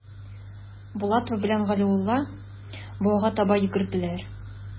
Булатов белән Галиулла буага таба йөгерделәр.